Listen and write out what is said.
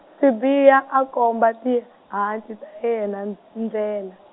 Sibiya a komba tihanci ta yena n- ndlela.